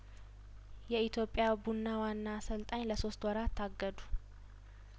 የኢትዮጵያ ቡና ዋና አሰልጣኝ ለሶስት ወራት ታገዱ